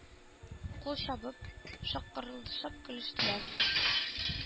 Кул чабып, шаркылдашып көлештеләр.